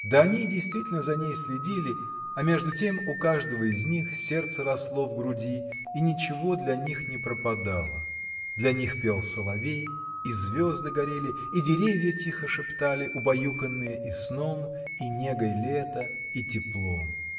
да они и действительно за ней следили, -- а между тем у каждого из них сердце росло в груди, и ничего для них не пропадало: для них пел соловей, и звезды горели, и деревья тихо шептали, убаюканные и сном, и негой лета, и теплом.